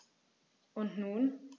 Und nun?